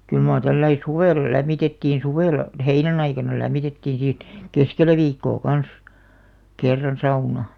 kyllä mar tällä lailla suvella lämmitettiin suvella heinän aikana lämmitettiin sitä niin keskellä viikkoa kanssa kerran sauna